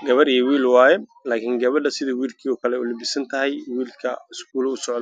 Mise waxaa taagan gabadh iyo wiil gabadhii waxay u labisan tahay sida wiilka